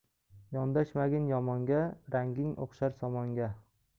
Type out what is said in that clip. yondashmagin yomonga ranging o'xshar somonga